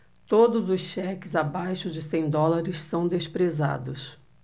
todos os cheques abaixo de cem dólares são desprezados